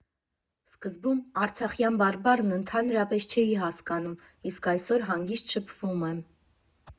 Սկզբում արցախյան բարբառն ընդհանրապես չէի հասկանում, իսկ այսօր հանգիստ շփվում եմ։